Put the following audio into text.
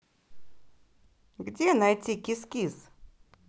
где найти кис кис